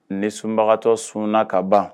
Ne sunbagatɔ sun ka ban